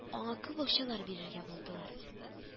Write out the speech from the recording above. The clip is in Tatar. Аңа күп акчалар бирергә булдылар